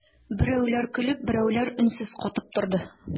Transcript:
Берәүләр көлеп, берәүләр өнсез катып торды.